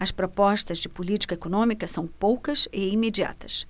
as propostas de política econômica são poucas e imediatas